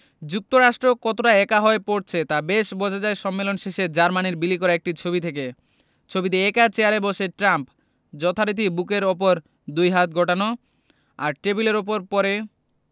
যুক্তরাষ্ট্র কতটা একা হয়ে পড়ছে তা বেশ বোঝা যায় সম্মেলন শেষে জার্মানির বিলি করা একটি ছবি থেকে ছবিটিতে একা চেয়ারে বসে ট্রাম্প যথারীতি বুকের ওপর দুই হাত গোটানো আর টেবিলের অপর পারে